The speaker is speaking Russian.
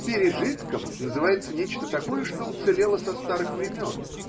Пережитком называется нечто такое, что уцелело со старых времен.